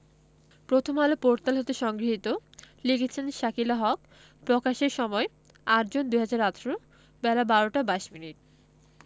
Prothom Alo portal হতে সংগৃহীত লিখেছেন শাকিলা হক প্রকাশের সময় ৮জুন ২০১৮ বেলা ১২টা ২২মিনিট